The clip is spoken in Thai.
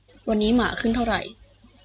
วันนี้หมาขึ้นเท่าไหร่